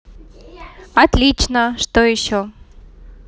отлично что еще